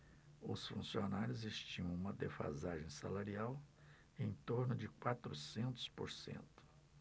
os funcionários estimam uma defasagem salarial em torno de quatrocentos por cento